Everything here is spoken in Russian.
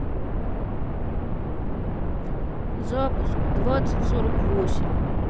запуск двадцать сорок восемь